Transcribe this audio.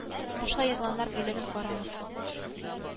Бушлай игъланнар бүлеген карагыз